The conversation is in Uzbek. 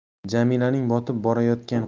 jamilaning botib borayotgan